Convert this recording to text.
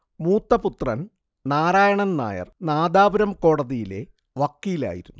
മൂത്ത പുത്രൻ നാരായണൻ നായർ നാദാപുരം കോടതിയിലെ വക്കീലായിരുന്നു